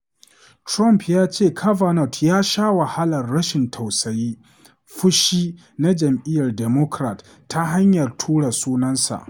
Trump ya ce Kavanaugh ya sha “wahalar rashin tausayi, fushi” na Jam’iyyar Democrat ta hanyar tura sunansa.